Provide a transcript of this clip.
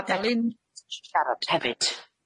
A ddaru'n siarad hefyd.